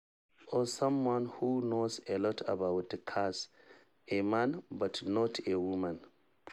Or someone who knows a lot about cars — a man, but not a woman.